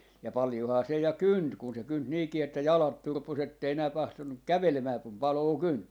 ja paljonhan se ja kynti kun se kynti niinkin että jalat turposi että ei enää tahtonut kävelemään kun paloa kynti